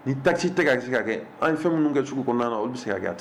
Nin taxe te ka se ka kɛ an ɲe fɛn minnu kɛ sugu kɔnɔna na olu be se ka kɛ a